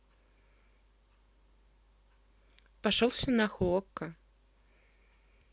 пошел все нахуй okko